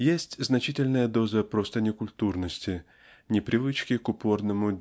Есть значительная доза просто некультурности непривычки к упорному